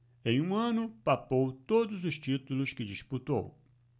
em um ano papou todos os títulos que disputou